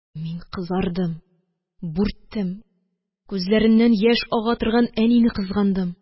Мин кызардым, бүрттем, күзләреннән яшь ага торган әнине кызгандым